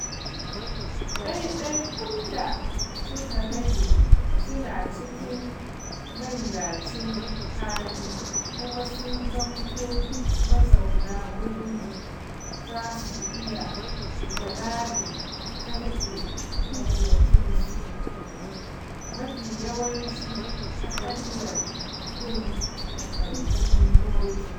ɗaiɗaikun da suka rage suna cikin mayuwacin hali kuma sun zamanto mazauna wurin za su iya iƙirarin karɓe mallakinsu (mafi yawanci ta hanyar yin takardun bogi).